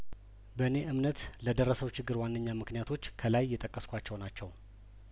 በእኔ እምነት ለደረሰው ችግር ዋነኛ ምክንያቶች ከላይ የጠቀስኳቸው ናቸው